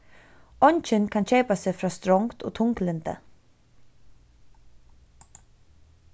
eingin kann keypa seg frá strongd og tunglyndi